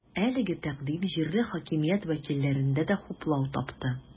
Әлеге тәкъдим җирле хакимият вәкилләрендә дә хуплау тапты.